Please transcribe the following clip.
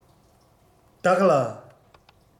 བདག ལ